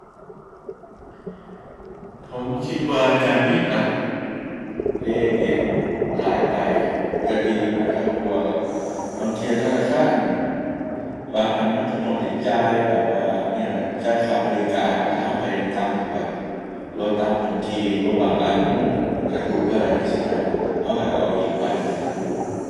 ผมคิดว่าการมีบัตรเดบิตหลายใบก็ดีอยู่นะครับ เพราะว่าบางเที่ยธนาคารบางอันมันก็ต้องได้จ่ายแบบว่า อิหยังล่ะ จ่ายค่าบริการเนาะ ถ้าก็ไปต่างจังหวัด หรือว่าต่างพื้นที่ หรือว่าบางอันมันก็รูดบ่ได้จั่งซี้นะ ก็ก็เอาอีกบัตรหนึ่งให้เพิ่นรูด